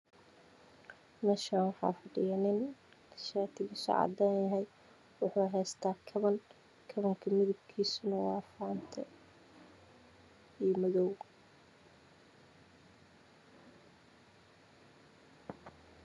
Meeshaan waxaa fadhiyo nin shaati giisu cadaan yahay waxuu heystaa kaban midabkiisu waa qalin iyo madow.